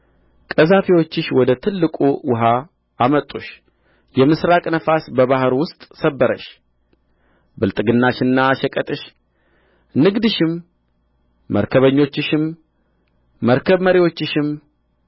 ቀዛፊዎችሽ ወደ ትልቁ ወኃ አመጡሽ የምሥራቅ ነፋስ በባሕር ውስጥ ሰበረሽ ብልጥግናሽና ሸቀጥሽ ንግድሽም መርከበኞችሽም መርከብ መሪዎችሽም